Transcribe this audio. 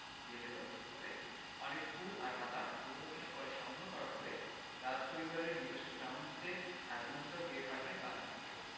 বিয়েতে ব্যবহৃত অনেক ফুল আর পাতা যেগুলুকিনা পরে সংগ্রহ করা হবে রাজপরিবারের নিজস্ব ক্রাউন এস্টেট আর উইন্ডসর গ্রেট পার্কের বাগান থেকে